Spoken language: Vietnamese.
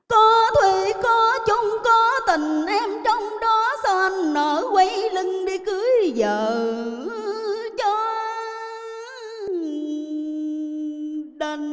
có thủy có chung có tình em trong đó sao anh nỡ quay lưng để cưới vợ cho đành